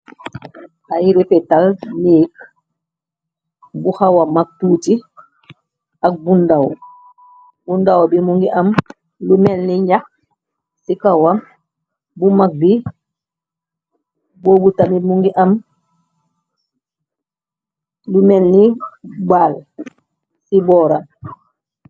Ay rupetal niek bu xawa mag tuuti ak bundaw bu ndaw bi mu ngi am lu melni ñax ci kawam bu mag bi boobu tami mu ngi am lu melni baal ci booram.